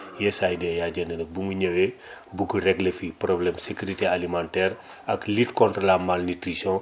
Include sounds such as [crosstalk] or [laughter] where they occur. USAID bu mu ñëwee [inhales] bëgg réglé fii problème sécurité alimentaire [inhales] ak lutte contre la malnutrition